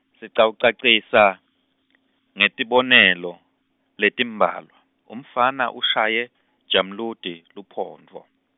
sitawucacisa, ngetibonelo, letimbalwa, Umfana ushaye, Jamludi, luphondvo.